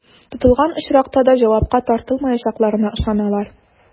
Тотылган очракта да җавапка тартылмаячакларына ышаналар.